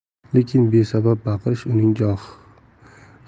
lekin besabab baqirish uning